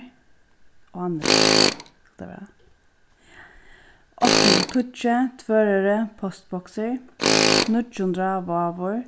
ánirnar tað vera átta hundrað og tíggju tvøroyri postboksir níggju hundrað vágur